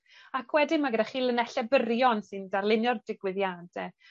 Ac wedyn ma' gyda chi linelle byrion sy'n darlunio'r digwyddiade.